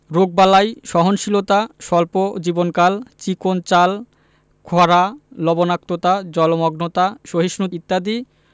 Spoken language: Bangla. রোগবালাই সহনশীলতা স্বল্প জীবনকাল চিকন চাল খরা লবনাক্ততা জলমগ্নতা সহিষ্ণু ইত্যাদি